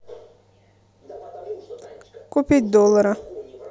купить доллары